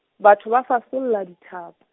batho ba fasolla dithapo.